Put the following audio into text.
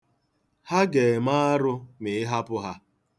Ha ga-eme arụ ma ị hapụ ha.